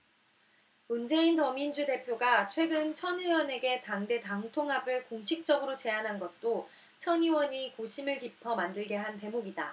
문재인 더민주 대표가 최근 천 의원에게 당대 당 통합을 공식적으로 제안한 것도 천 의원의 고심을 깊어 만들게 한 대목이다